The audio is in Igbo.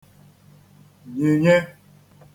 nyinye